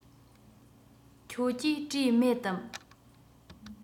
ཁྱོད ཀྱིས བྲིས མེད དམ